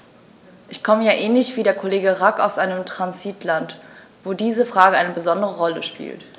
Ich komme ja ähnlich wie der Kollege Rack aus einem Transitland, wo diese Frage eine besondere Rolle spielt.